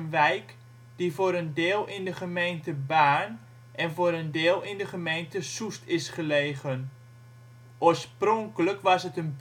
wijk die voor een deel in de gemeente Baarn en voor een deel in de gemeente Soest is gelegen. Oorspronkelijk was het een